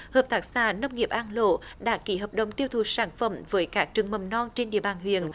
hợp tác xã nông nghiệp an lỗ đã ký hợp đồng tiêu thụ sản phẩm với các trường mầm non trên địa bàn huyện